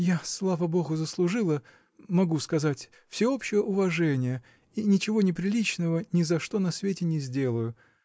Я, слава богу, заслужила, могу сказать, всеобщее уважение и ничего неприличного ни за что на свете не сделаю.